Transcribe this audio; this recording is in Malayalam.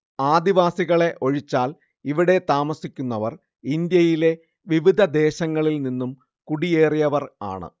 ആദിവാസികളെ ഒഴിച്ചാൽ ഇവിടെ താമസിക്കുന്നവർ ഇന്ത്യയിലെ വിവിധ ദേശങ്ങളിൽ നിന്നും കുടിയേറിയവരാണ്